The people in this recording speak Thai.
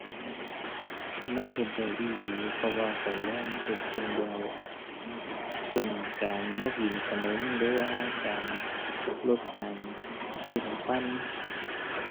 มันเฮ็ดได้อีหลี เพราะว่าข้อยลองเฮ็ดเบิ่งแล้ว เช่น การบ่กินขนม หรือว่าการ ลดการซื้อน้ำปั่น